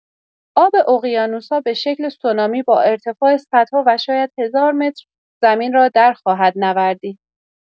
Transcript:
آب اقیانوس‌ها به شکل سونامی با ارتفاع صدها و شاید هزار متر، زمین را در خواهد نوردید.